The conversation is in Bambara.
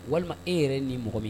Walima e yɛrɛ ni mɔgɔ min